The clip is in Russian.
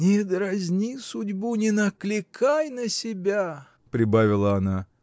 — Не дразни судьбу, не накликай на себя! — прибавила она.